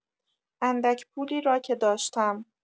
اندک پولی را که داشتم.